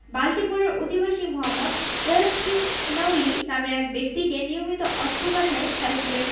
বাল্টিমোরের অধিবাসী Mohamed Elshinawy নামের এক ব্যক্তিকে নিয়মিত অর্থ পাঠায় সাইফুলের